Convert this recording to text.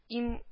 Им